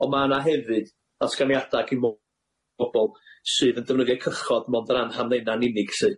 on' ma' 'na hefyd ddatganiada gin bo- bobol sydd yn defnyddio'u cychod mond o ran hamddena'n unig lly.